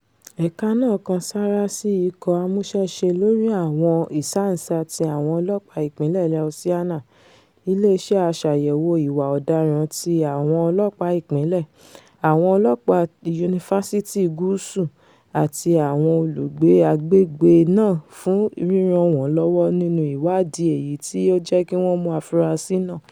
Ẹ̀ka náà ńkan sáará sí ikọ̀ amúṣẹ́ṣe lóri àwọn ìsáǹsá ti Àwọn Ọlọ́ọ̀pá Ìpínlẹ̀ Louisiana, ilé iṣẹ́ aṣàyẹ̀wò ìwà ọ̀daràn ti àwọn ọlọ́ọ̀pá ìpínlẹ̀, àwọn ọlọ́ọ̀pá Yunifásitì Gúsúù àti àwọn olùgbé agbègbè̀̀ náà fún ríràn wọ́n lọ́wọ́ nínu ìwáàdí èyití o jẹ́kí wọ́n mú afurasí náà.